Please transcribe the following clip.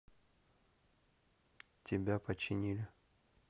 тебя починили